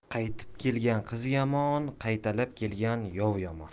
qaytib kelgan qiz yomon qaytalab kelgan yov yomon